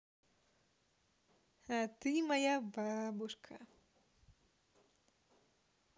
а ты моя бабушка